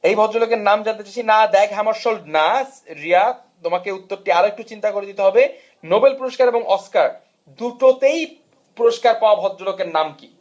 ই ভদ্রলোকের নাম জানতে চাচ্ছি না ড্যাগ হামারশোল্ড না রিয়া উত্তরটি তোমাকে আর একটু চিন্তা করে দিতে হবে নোবেল পুরস্কার এবং অস্কার দুটোতেই পুরস্কার পাওয়া ভদ্রলোকের নাম কি